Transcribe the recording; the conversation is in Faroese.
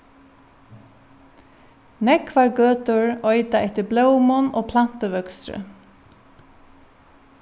nógvar gøtur eita eftir blómum og plantuvøkstri